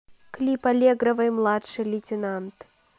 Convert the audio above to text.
клип аллегровой младший лейтенант